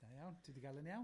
Da iawn, ti 'di ga'l e'n iawn.